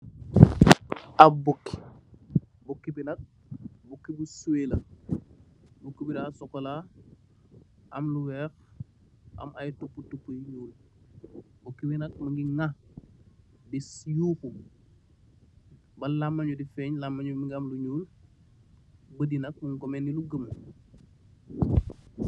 Ap bukki, bukki bi nak bukki bu suwèh la. Bukki bi da sokola am lu wèèx am ay tupu tupu yu ñuul, bukki bi nak mugii nga di yuxu ba lamèñ wi di feñ, lamèñ wi mugii am lu ñuul bët yi nak muñ ko len ni lu gëmu.